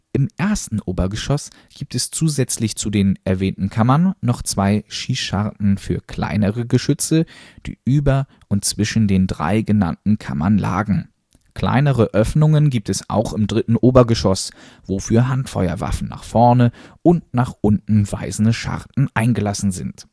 Im ersten Obergeschoss gibt es zusätzlich zu den erwähnten Kammern noch zwei Schießscharten für kleinere Geschütze, die über und zwischen den drei genannten Kammern lagen. Kleinere Öffnungen gibt es auch im dritten Obergeschoss, wo für Handfeuerwaffen nach vorne und nach unten weisende Scharten eingelassen sind